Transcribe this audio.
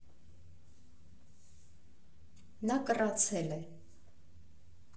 Նա կռացել է։